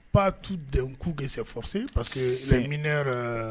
Pas tout d'un coup que c'est facile parce que c'est